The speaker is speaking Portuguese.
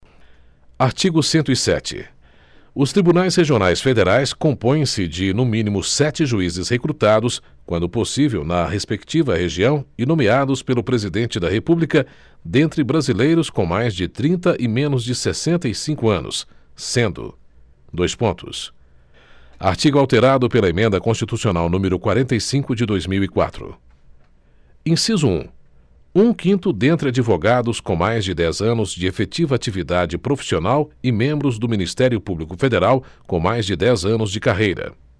artigo cento e sete os tribunais regionais federais compõem se de no mínimo sete juízes recrutados quando possível na respectiva região e nomeados pelo presidente da república dentre brasileiros com mais de trinta e menos de sessenta e cinco anos sendo dois pontos artigo alterado pela emenda constitucional número quarenta e cinco de dois mil e quatro inciso um um quinto dentre advogados com mais de dez anos de efetiva atividade profissional e membros do ministério público federal com mais de dez anos de carreira